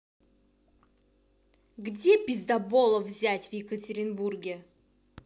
где пиздаболов взять в екатеринбурге